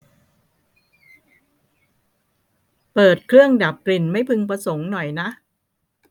เปิดเครื่องดับกลิ่นไม่พึงประสงค์หน่อยนะ